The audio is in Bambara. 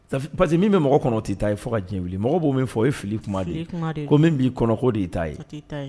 Parce que min bɛ mɔgɔ kɔnɔ o t'i ta ye fɔ ka diɲɛ wili , mɔgɔw b'o min fɔ o ye fili kuma de ye ko min b'i kɔnɔ k'o de ta ye